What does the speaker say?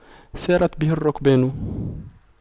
سارت به الرُّكْبانُ